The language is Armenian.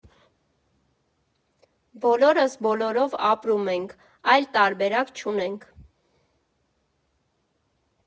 Բոլորս բոլորով ապրում ենք, այլ տարբերակ չունենք։